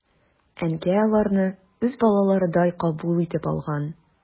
Әнкәй аларны үз балаларыдай кабул итеп алган.